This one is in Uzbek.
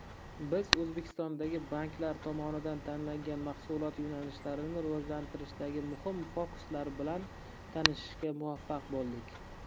biz o'zbekistondagi banklar tomonidan tanlangan mahsulot yo'nalishlarini rivojlantirishdagi muhim fokuslar bilan tanishishga muvaffaq bo'ldik